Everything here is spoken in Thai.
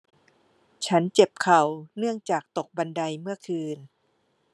ฉันเจ็บเข่าเนื่องจากตกบันไดเมื่อคืน